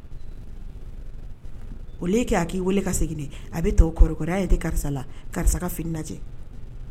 O ke a k'i weele ka segin a bɛ to ye karisa la karisa fini